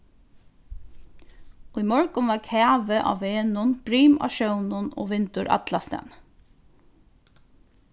í morgun var kavi á vegnum brim á sjónum og vindur allastaðni